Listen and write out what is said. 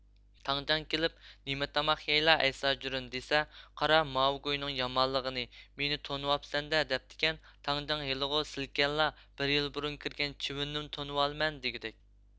تاڭجاڭ كېلىپ نىمە تاماق يەيلا ئەيساجۈرۈن دېسە قارا ماۋۇ گۇينىڭ يامانلقىنى مېنى تونىۋاپسەندە دەپتىكەن تاڭجاڭ ھېلىغۇ سېلىكەنلا بىر يىل بۇرۇن كىرگەن چىۋىننىمۇ تونىۋالىمەن دىگۈدەك